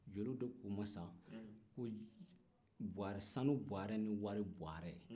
jeliw de k'u ma sa ko sanu bɔrɛ ani wari bɔrɛ